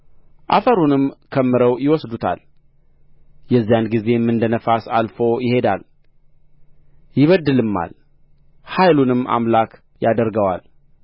አፈሩንም ከምረው ይወስዱታል የዚያን ጊዜም እንደ ነፋስ አልፎ ይሄዳል ይበድልማል ኃይሉንም አምላክ ያደርገዋል